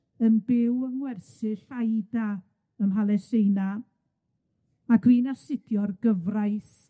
###yn byw yng ngwersyll Aida ym Mhalesteina, ac dwi'n astudio'r gyfraith